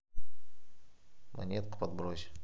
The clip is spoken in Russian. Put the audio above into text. монетку подбрось